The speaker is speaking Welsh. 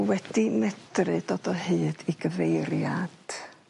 wedi medru dod o hyd i gyfeiriad